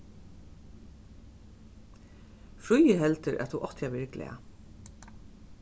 fríði heldur at tú átti at verið glað